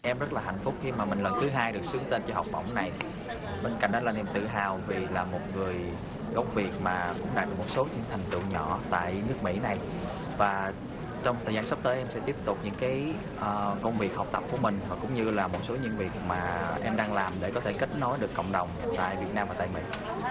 em rất là hạnh phúc khi mà mình lần thứ hai được xướng tên trong học bổng này bên cạnh đó là niềm tự hào vì là một người gốc việt mà cũng đạt được một số những thành tựu nhỏ tại nước mỹ này và trong thời gian sắp tới em sẽ tiếp tục những cái ờ công việc học tập của mình và cũng như là một số những việc mà em đang làm để có thể kết nối được cộng đồng tại việt nam và tại mĩ